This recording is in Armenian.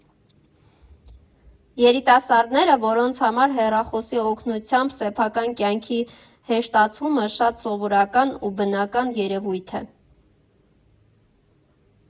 Երիտասարդները, որոնց համար հեռախոսի օգնությամբ սեփակայն կյանքի հեշտացումը շատ սովորական ու բնական երևույթ է։